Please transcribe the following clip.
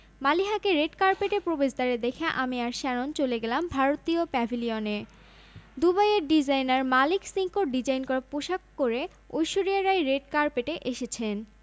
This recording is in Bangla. আমি এসেই তোমাদের নিয়ে গ্রাসে পারফিউম ফ্যাক্টরি দেখতে যাবো হোটেলের সৈকতে গিয়ে আমার প্রযোজকের পক্ষ থেকে একটি ফুলের তোড়া দিয়ে নিজের পরিচয় দিলাম কথায় কথায় আমার ছবির প্রসঙ্গ উঠলো